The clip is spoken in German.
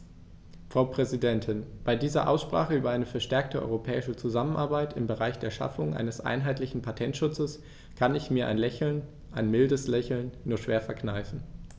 Frau Präsidentin, bei dieser Aussprache über eine verstärkte europäische Zusammenarbeit im Bereich der Schaffung eines einheitlichen Patentschutzes kann ich mir ein Lächeln - ein mildes Lächeln - nur schwer verkneifen.